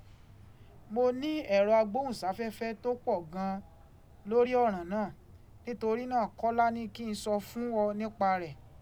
Mo ní ẹ̀rọ agbóhùnsáfẹ́fẹ́ tó pọ̀ gan an lórí ọ̀ràn náà, nítorí náà Kọ́lá ní kí n sọ fún ọ nípa rẹ̀.